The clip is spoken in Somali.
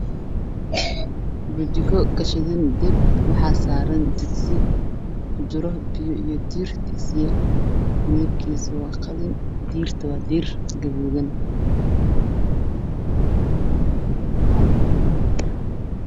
Waa jiko ka shidan dab